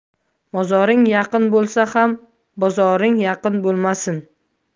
mozoring yaqin bo'lsa ham bozoring yaqin bo'lmasin